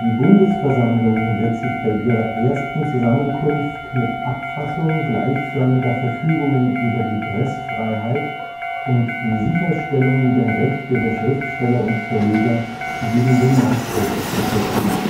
Bundesversammlung wird sich bei ihrer ersten Zusammenkunft mit Abfassung gleichförmiger Verfügungen über die Preßfreiheit und die Sicherstellung der Rechte der Schriftsteller und Verleger gegen den Nachdruck beschäftigen